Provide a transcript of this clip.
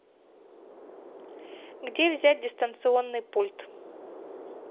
где взять дистанционный пульт